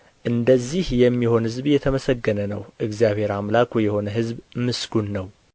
እንደዚህ የሚሆን ሕዝብ የተመሰገነ ነው እግዚአብሔር አምላኩ የሆነ ሕዝብ ምስጉን ነው